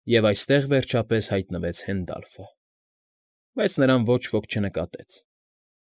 Եվ այստեղ, վերջապես, հայտնվեց Հենդալֆը։ Բայց նրան ոչ ոք չնկատեց։